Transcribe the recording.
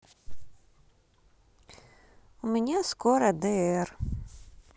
у меня скоро др